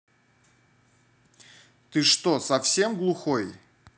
ты что совсем глухой